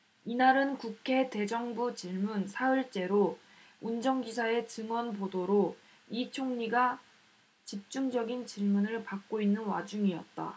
이날은 국회 대정부질문 사흘째로 운전기사의 증언 보도로 이 총리가 집중적인 질문을 받고 있는 와중이었다